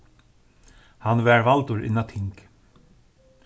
hann varð valdur inn á ting